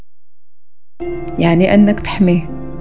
يعني انك تحمي